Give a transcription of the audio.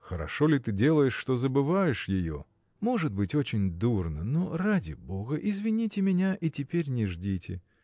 – Хорошо ли ты делаешь, что забываешь ее? – Может быть очень дурно но ради бога извините меня и теперь не ждите.